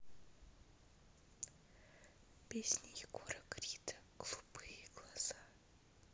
песня егора крида голубые глаза